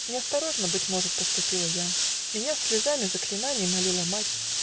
Неосторожно, Быть может, поступила я: Меня с слезами заклинаний Молила мать